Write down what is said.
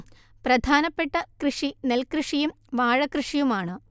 പ്രധാനപ്പെട്ട കൃഷി നെൽകൃഷിയും വാഴകൃഷിയും ആണ്